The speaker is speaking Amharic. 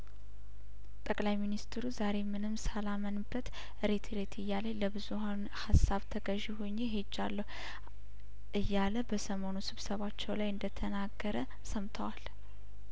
ጠቅላይ ሚኒስትሩ ዛሬ ምንም ሳላምንበት ሬት ሬት እያለኝ ለብዙሀኑ ሀሳብ ተገዥ ሆኜ ሄጃለሁ እያለ በሰሞኑ ስብሰባቸው ላይ እንደተናገረ ሰምተዋል